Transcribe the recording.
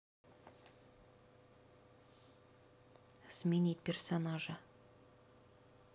сменить персонажа